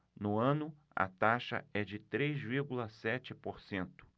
no ano a taxa é de três vírgula sete por cento